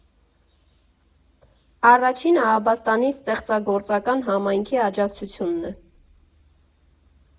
Առաջինը Աբաստանի ստեղծագործական համայնքի աջակցությունն է։